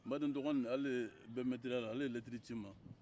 n badendɔgɔni ale bɛ lakɔlikaramɔgɔya la ale de ye lɛtɛrɛ ci n ma